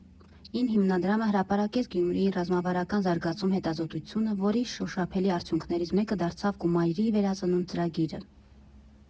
֊ին հիմնադրամը հրապարակեց «Գումրիի ռազմավարական զարգացում» հետազոտությունը, որի շոշափելի արդյունքներից մեկը դարձավ «Կումայրի վերածնունդ» ծրագիրը։